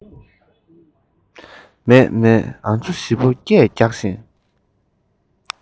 མཱ མཱ ང ཚོ བཞི པོ སྐད རྒྱག བཞིན